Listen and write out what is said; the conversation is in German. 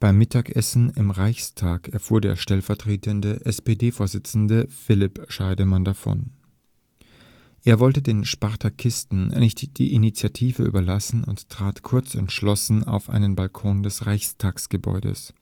Mittagessen im Reichstag erfuhr der stellvertretende SPD-Vorsitzende Philipp Scheidemann davon. Er wollte den Spartakisten nicht die Initiative überlassen und trat kurz entschlossen auf einen Balkon des Reichstagsgebäudes